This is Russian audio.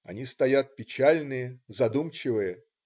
Они стоят печальные, задумчивые.